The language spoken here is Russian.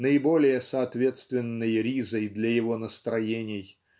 наиболее соответственной ризой для его настроений